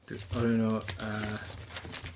dy- o'r enw yy